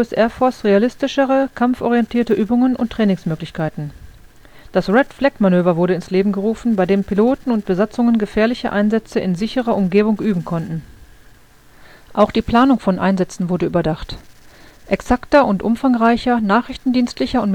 Air Force realistischere, kampforientierte Übungen und Trainingsmöglichkeiten. Das Red-Flag-Manöver wurde ins Leben gerufen, bei dem Piloten und Besatzungen gefährliche Einsätze in sicherer Umgebung üben können. Auch die Planung von Einsätzen wurde überdacht. Die Wichtigkeit exakter und umfangreicher nachrichtendienstlicher